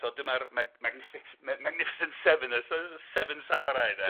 So dyma'r Mag- Magnific- Magnificent Seven y sy- Seven Samurai de.